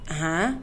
Aɔn